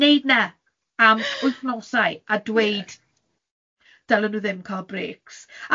'neud 'na am wythnosau a dweud dylen nhw ddim cael breaks.